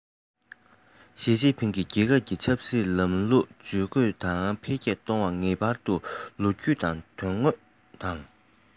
ཞིས ཅིན ཕིང གིས རྒྱལ ཁབ ཀྱི ཆབ སྲིད ལམ ལུགས ཇུས བཀོད དང འཕེལ རྒྱས གཏོང བར ངེས པར དུ ལོ རྒྱུས དང དོན དངོས དང